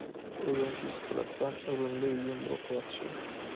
o'rinsiz qiliqdan o'rinli yumruq yaxshi